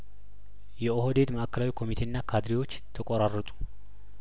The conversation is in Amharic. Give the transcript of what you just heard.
የኦህዴድ ማእከላዊ ኮሚቴና ካድሬዎች ተቆራረጡ